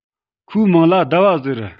ཁོའི མིང ལ ཟླ བ ཟེར